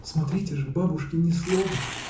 — Смотрите же, бабушке ни слова!